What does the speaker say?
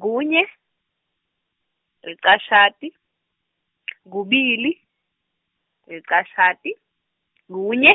kunye, licashata , kubili, licashata , kunye,